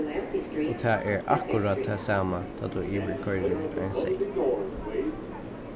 og tað er akkurát tað sama tá tú yvirkoyrir ein seyð